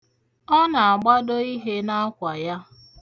Ọ na-agbado ihe n'akwa ya.